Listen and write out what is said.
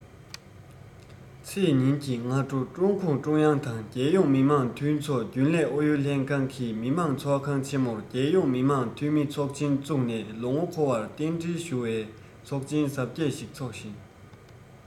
ཚེས ཉིན གྱི སྔ དྲོ ཀྲུང གུང ཀྲུང དབྱང དང རྒྱལ ཡོངས མི དམངས འཐུས ཚོགས རྒྱུན ལས ཨུ ཡོན ལྷན ཁང གིས མི དམངས ཚོགས ཁང ཆེ མོར རྒྱལ ཡོངས མི དམངས འཐུས མི ཚོགས ཆེན བཙུགས ནས ལོ ངོ འཁོར བར རྟེན འབྲེལ ཞུ བའི ཚོགས ཆེན གཟབ རྒྱས ཤིག འཚོགས ཤིང